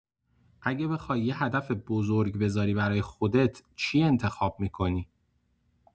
اگه بخوای یه هدف بزرگ بذاری برای خودت، چی انتخاب می‌کنی؟